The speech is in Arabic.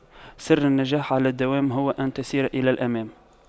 سر النجاح على الدوام هو أن تسير إلى الأمام